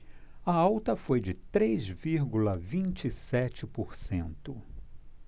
a alta foi de três vírgula vinte e sete por cento